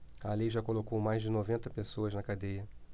a lei já colocou mais de noventa pessoas na cadeia